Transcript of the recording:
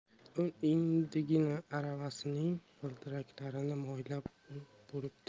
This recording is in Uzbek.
u endigina aravasining g'ildiraklarini moylab bo'libdi